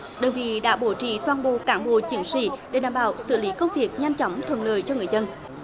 đơn vị đã bố trí toàn bộ cán bộ chiến sĩ để đảm bảo xử lý công việc nhanh chóng thuận lợi cho người dân